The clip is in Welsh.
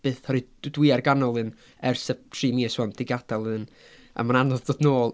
byth oherwydd d- dwi ar ganol un ers tua tri mis wan 'di gadael un. A mae'n anodd dod nôl.